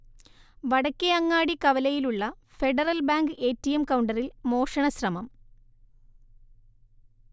വടക്കേ അങ്ങാടി കവലയിലുള്ള Federal Bank A T M കൗണ്ടറിൽ മോഷണശ്രമം